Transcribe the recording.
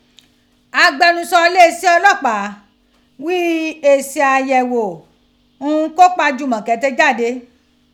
Agbẹnusọ ileeṣẹ ọlọpaa ghi esi ayẹgho ohun ko pa Jumoke ti jade.